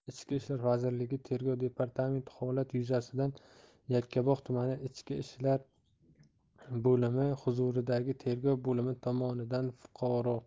ichki ishlar vazirligi tergov departamentiholat yuzasidan yakkabog' tumani ichki ishlar boimi huzuridagi tergov bo'limi tomonidan fuqaro